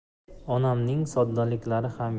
onamning soddaliklari xam